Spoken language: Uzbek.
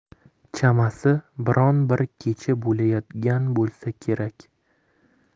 chamasi biron bir kecha bo'layotgan bo'lsa kerak